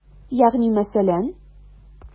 Ягъни мәсәлән?